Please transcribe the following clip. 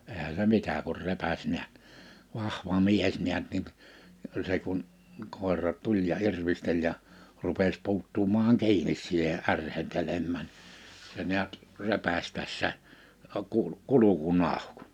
eihän se mitä kun repäisi näet vahva mies näet niin se kun koira tuli ja irvisteli ja rupesi puuttumaan kiinni siihen ärhentelemään se näet repäisi tässä -- kurkun auki